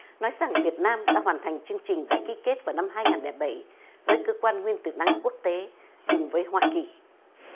nói rằng việt nam đã hoàn thành chương trình đã ký kết vào năm hai ngàn lẻ bẩy với cơ quan nguyên tử năng quốc tế cùng với hoa kỳ